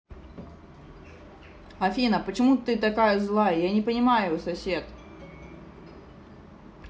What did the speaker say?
афина почему ты такая злая я не понимаю сосед